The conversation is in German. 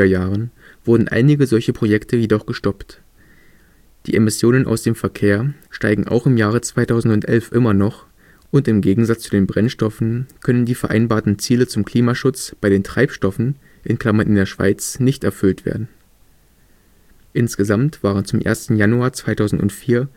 Jahren wurden einige solche Projekte jedoch gestoppt. Die Emissionen aus dem Verkehr steigen auch im Jahre 2011 immer noch und im Gegensatz zu den Brennstoffen können die vereinbarten Ziele zum Klimaschutz bei den Treibstoffen (in der Schweiz) nicht erfüllt werden. Insgesamt waren zum 1. Januar 2004